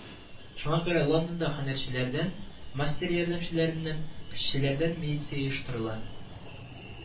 Шуңа күрә Лондонда һөнәрчеләрдән, мастер ярдәмчеләреннән, эшчеләрдән милиция оештырыла